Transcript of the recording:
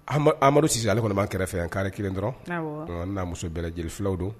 Amadu Sise ale kɔni bɛ an kɛrɛfɛ yan, kari 1 dɔrɔnw , awɔ, ale n'a muso bɛɛlajɛlen fulaw don.